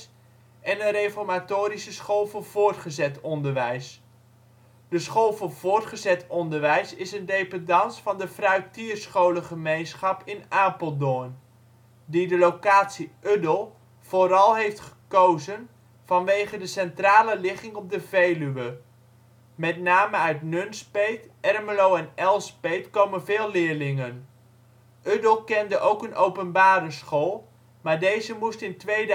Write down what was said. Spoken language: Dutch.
en een reformatorische school voor voortgezet onderwijs. De school voor voortgezet onderwijs is een dependance van de Fruytier Scholengemeenschap in Apeldoorn, die de locatie Uddel vooral heeft gekozen vanwege de centrale ligging op de Veluwe; met name uit Nunspeet, Ermelo en Elspeet komen veel leerlingen. Uddel kende ook een openbare school, maar deze moest in 2007